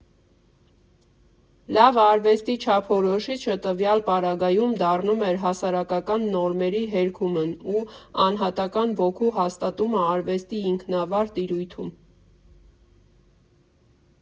«Լավ» արվեստի չափորոշիչը տվյալ պարագայում, դառնում էր հասարակական նորմերի հերքումն ու անհատական «ոգու» հաստատումը արվեստի ինքնավար տիրույթում։